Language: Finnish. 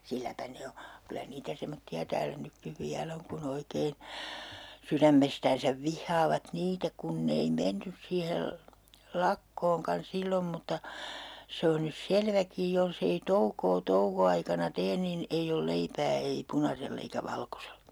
silläpä ne on kyllä niitä semmoisia täällä nytkin vielä on kun oikein sydämestään vihaavat niitä kun ei mennyt siihen lakkoonkaan silloin mutta se on nyt selväkin jos ei toukoa toukoaikana tee niin ei ole leipää ei punaisella eikä valkoisella